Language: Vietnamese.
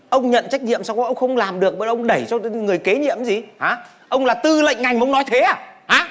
ông nhận trách nhiệm song ông không làm được bây ông đẩy cho người kế nhiệm gì hả ông là tư lệnh ngành mà ông nói thế à hả